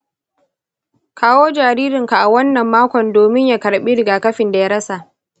kawo jaririnka a wannan makon domin ya karɓi rigakafin da ya rasa.